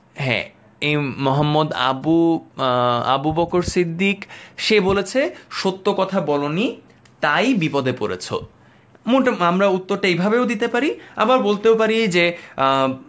হ্যাঁ মোহাম্মদ আবু আবু বকর সিদ্দিক সে বলেছে সত্য কথা বলোনি তাই বিপদে পড়েছ আমরা উত্তরটা এভাবেও দিতে পারি আবার বলতেও পারি যে